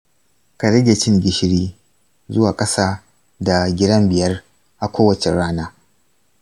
ka rage cin gishiri zuwa ƙasa da giram biyar a kowace rana.